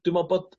dwi me'wl bod